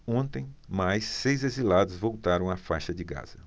ontem mais seis exilados voltaram à faixa de gaza